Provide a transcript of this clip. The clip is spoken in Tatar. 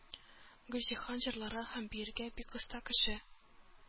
Гөлҗиһан җырларга һәм биергә бик оста кеше.